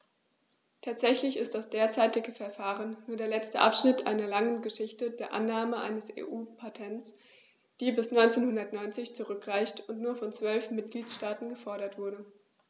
Tatsächlich ist das derzeitige Verfahren nur der letzte Abschnitt einer langen Geschichte der Annahme eines EU-Patents, die bis 1990 zurückreicht und nur von zwölf Mitgliedstaaten gefordert wurde.